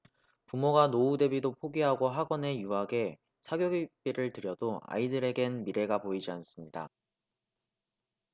부모가 노후대비도 포기하고 학원에 유학에 사교육비를 들여도 아이들에겐 미래가 보이지 않습니다